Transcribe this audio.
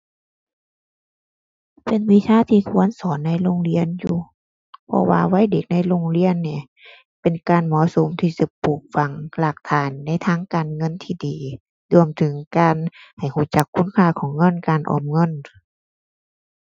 เป็นวิชาที่ควรสอนในโรงเรียนอยู่ เพราะว่าวัยเด็กในโรงเรียนนี่ เป็นการเหมาะสมที่สิปลูกฝังรากฐานในทางการเงินที่ดี รวมถึงการให้รู้จักคุณค่าของเงิน การออมเงิน